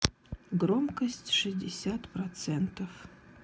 громкость шестьдесят процентов